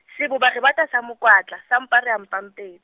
seboba re bata sa mokwatla sa mpa re a mpampe-.